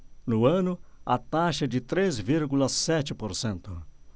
no ano a taxa é de três vírgula sete por cento